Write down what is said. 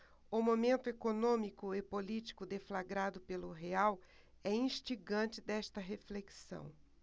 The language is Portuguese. o momento econômico e político deflagrado pelo real é instigante desta reflexão